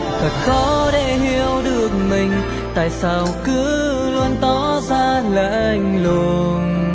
thật khó để hiểu được mình tại sao cứ luôn tỏ ra lạnh lùng